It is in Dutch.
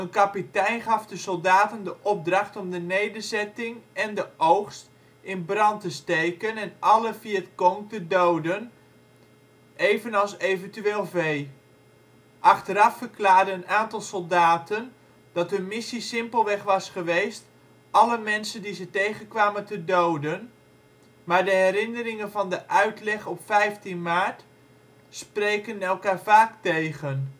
kapitein gaf de soldaten de opdracht om de nederzetting en de oogst in brand te steken en alle Vietcong te doden, evenals eventueel vee. Achteraf verklaarde een aantal soldaten dat hun missie simpelweg was geweest alle mensen die ze tegenkwamen te doden, maar de herinneringen van de uitleg op 15 maart spreken elkaar vaak tegen